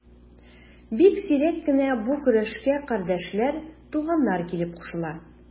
Бик сирәк кенә бу көрәшкә кардәшләр, туганнар килеп кушыла.